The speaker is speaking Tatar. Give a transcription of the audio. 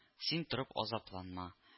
Син торып азапланма